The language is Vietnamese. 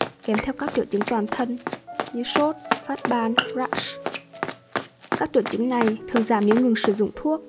kèm theo các triệu chứng toàn thân như sốt và phát ban các triệu chứng này thường giảm nếu ngừng sử dụng thuốc